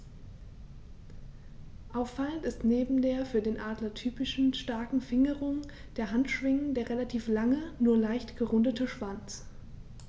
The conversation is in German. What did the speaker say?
Auffallend ist neben der für Adler typischen starken Fingerung der Handschwingen der relativ lange, nur leicht gerundete Schwanz.